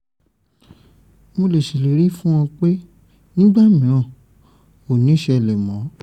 Mo le ṣèlérí fún ọ pé nígbàmíràn ò ní ṣẹlẹ̀.